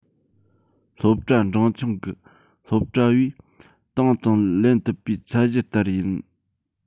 སློབ གྲྭ འབྲིང ཆུང གི སློབ གྲྭ བས དང དུ ལེན ཐུབ པའི ཚད གཞི ལྟར ཡིན